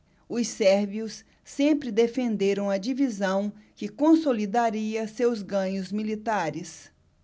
os sérvios sempre defenderam a divisão que consolidaria seus ganhos militares